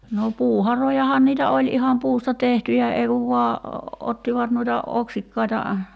no puuharojahan niitä oli ihan puusta tehtyjä ei kun vain ottivat noita oksikkaita